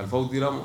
Kalifaw dira a ma.